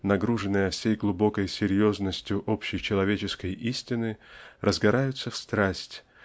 нагруженные всей глубокой серьезностью общечеловеческой истины разгораются в страсть